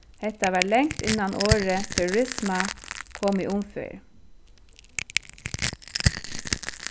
hetta var langt innan orðið terrorisma kom í umferð